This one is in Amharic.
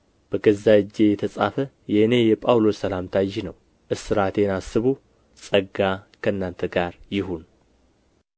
በገዛ እጄ የተጻፈ የእኔ የጳውሎስ ሰላምታ ይህ ነው እስራቴን አስቡ ጸጋ ከእናንተ ጋር ይሁን